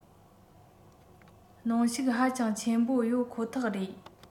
གནོན ཤུགས ཧ ཅང ཆེན པོ ཡོད ཁོ ཐག རེད